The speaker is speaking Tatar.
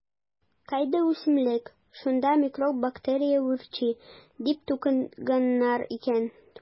Кайда үсемлек - шунда микроб-бактерия үрчи, - дип тукыганнар икән.